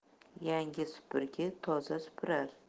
yangi supurgi toza supurar